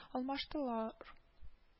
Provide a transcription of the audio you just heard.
Алмаштылар